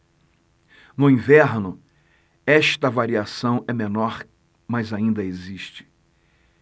no inverno esta variação é menor mas ainda existe